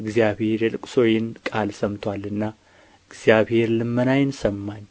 እግዚአብሔር የልቅሶዬን ቃል ሰምቶአልና እግዚአብሔር ልመናዬን ሰማኝ